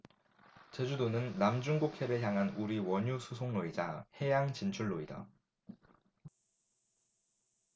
제주도는 남중국해를 향한 우리 원유수송로이자 해양 진출로이다